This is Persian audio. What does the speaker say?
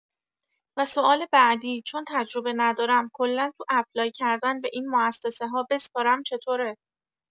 و سوال بعدی چون تجربه ندارم کلا تو اپلای کردن به این موسسه‌ها بسپارم چطوره؟